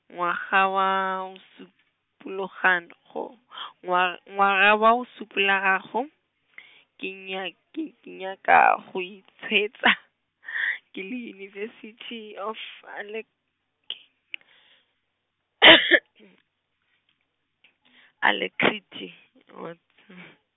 ngwaga wa šupologanogo- , ngwag-, ngwaga wa šupologago , ke nya- ke ke nyaka, go ikhwetša , ke le University of alac- , Alacrity, .